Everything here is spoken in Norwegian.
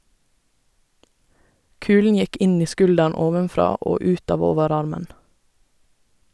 Kulen gikk inn i skulderen ovenfra og ut av overarmen.